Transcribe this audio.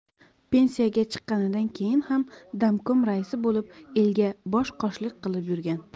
pensiyaga chiqqanidan keyin ham domkom raisi bo'lib elga bosh qoshlik qilib yurgan